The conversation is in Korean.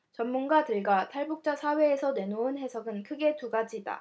전문가들과 탈북자 사회에서 내놓는 해석은 크게 두 가지다